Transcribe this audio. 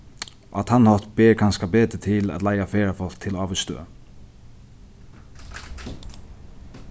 á tann hátt ber kanska betur til at leiða ferðafólk til ávís støð